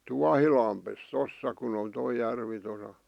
Tuohilammessa tuossa kun on tuo järvi tuossa